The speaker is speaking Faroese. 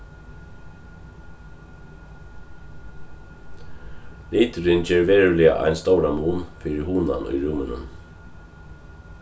liturin ger veruliga ein stóran mun fyri hugnan í rúminum